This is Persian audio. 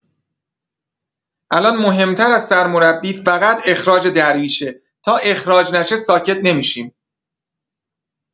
الان مهم‌تر از سرمربی فقط اخراج درویشه تا اخراج نشه ساکت نمی‌شیم.